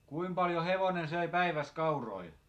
kuinka paljon hevonen söi päivässä kauroja